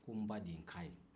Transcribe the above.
ko n ba de ye n k'a ye